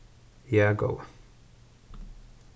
ja góði